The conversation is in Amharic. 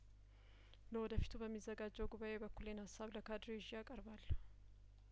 ለወደፊቱ በሚዘጋጀው ጉባኤ የበኩሌን ሀሳብ ለካድሬው ይዤ አቀርባለሁ